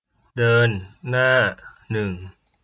เดินหน้าหนึ่ง